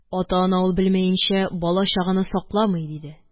Ата-ана ул белмәенчә бала-чаганы сакламый, – диде...